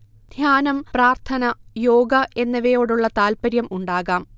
ധ്യാനം, പ്രാര്ത്ഥന, യോഗ എന്നിവയോടുള്ള താല്പര്യം ഉണ്ടാകാം